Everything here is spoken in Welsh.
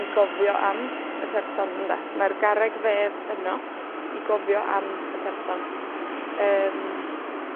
i gofio am y person ynde? Mae'r garreg fedd yno i gofio am y person. Yym.